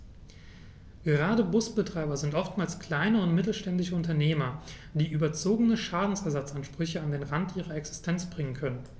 Gerade Busbetreiber sind oftmals kleine und mittelständische Unternehmer, die überzogene Schadensersatzansprüche an den Rand ihrer Existenz bringen können.